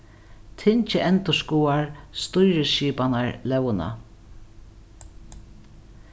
tingið endurskoðar stýrisskipanarlógina